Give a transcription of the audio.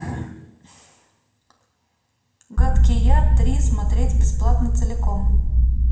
гадкий я три смотреть бесплатно целиком